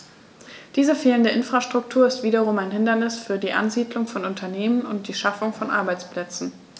Diese fehlende Infrastruktur ist wiederum ein Hindernis für die Ansiedlung von Unternehmen und die Schaffung von Arbeitsplätzen.